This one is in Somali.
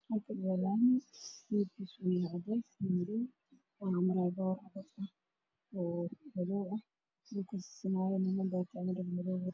Halkaan waa laami midabkiisu uu yahay cadeys iyo madow, waxaa maraayo cagaf oo madow ah oo simaayo meesha waxaa taagan rag.